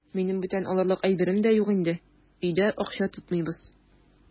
Минем бүтән алырлык әйберем дә юк инде, өйдә акча тотмыйбыз.